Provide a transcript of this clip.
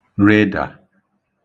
rēdà